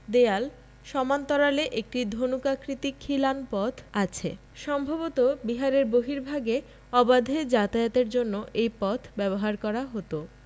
দেয়াল সমান্তরালে একটি ধনুকাকৃতির খিলান পথ আছে সম্ভবত বিহারের বর্হিভাগে অবাধে যাতায়াতের জন্য এ পথ ব্যবহার করা হতো